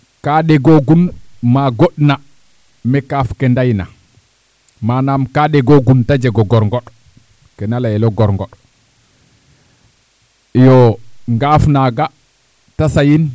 kaa ɗegoogun ma goɗna me kaaf ke ndeyna manaam kaa ɗegoogun te jeg o gorngoƭ kena layel o gorngoƭ iyoo ngaaf naaga te sayin